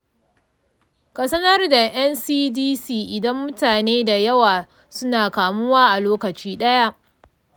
ka sanar da ncdc idan mutane da yawa suna kamuwa a lokaci daya.